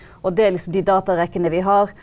og det er liksom de datarekkene vi har.